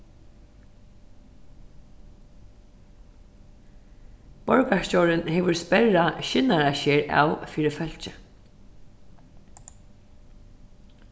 borgarstjórin hevur sperrað skinnarasker av fyri fólki